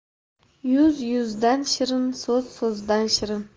yuz yuzdan shirin so'z so'zdan shirin